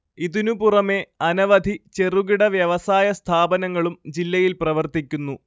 ഇതിനു പുറമേ അനവധി ചെറുകിട വ്യവസായ സ്ഥാപനങ്ങളും ജില്ലയില്‍ പ്രവര്‍ത്തിക്കുന്നു